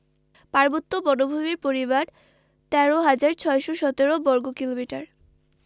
পার্বত্য বনভূমির পরিমাণ ১৩হাজার ৬১৭ বর্গ কিলোমিটার